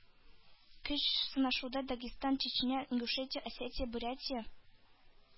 Көч сынашуда Дагестан, Чечня, Ингушетия, Осетия, Бурятия,